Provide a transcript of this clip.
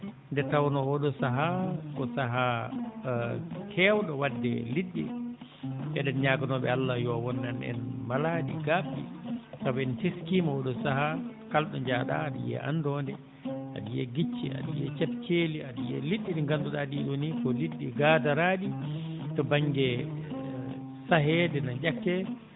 nde tawnoo oo ɗoo sahaa ko sahaa keewɗo waɗde liɗɗi eɗen ñaaganooɓe Allah yo wonan en malaaɗi gaaɓdi sabu en teskiima oo ɗoo sahaa kala ɗo njaaɗa aɗo yiya anndoode aɗa yiya gicce aɗa yiya caab ceeli aɗa yiya liɗɗi ɗi ngannduɗaa ɗii ɗoo nii ko liɗɗi gaadoraaɗi to baŋnge saheede no ƴakkee